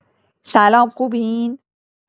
سلام خوبین؟